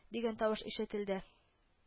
— дигән тавыш ишетелде